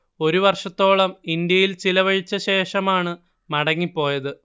ഒരു വർഷത്തോളം ഇന്ത്യയിൽ ചിലവഴിച്ച ശേഷമാണു മടങ്ങി പോയത്